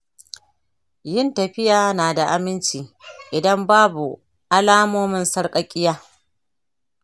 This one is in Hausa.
yin tafiya na da aminci idan babu alamomin sarƙaƙƙiya